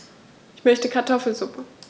Ich möchte Kartoffelsuppe.